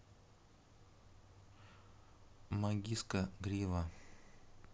magicka грива